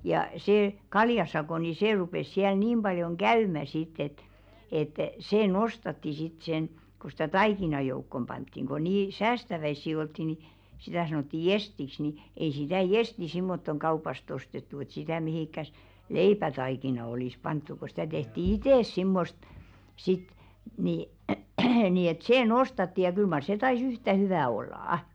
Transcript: ja se kaljasako niin se rupesi siellä niin paljon käymään sitten että että se nostatti sitten sen kun sitä taikinan joukkoon pantiin kun niin säästäväisiä oltiin niin sitä sanottiin jestiksi niin ei sitä jestiä semmottoon kaupasta ostettu että sitä mihinkään leipätaikinaan olisi pantu kun sitä tehtiin itse semmoista sitten niin niin että se nostatti ja kyllä mar se taisi yhtä hyvää olla